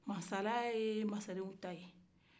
mansaya ye masaren ta ye